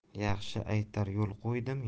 yaxshi aytar yo'l qo'ydim